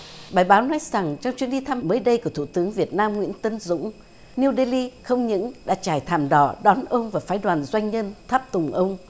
bài báo nói rằng trong chuyến đi thăm mới đây của thủ tướng việt nam nguyễn tấn dũng niu đê li không những đã trải thảm đỏ đón ông và phái đoàn doanh nhân tháp tùng ông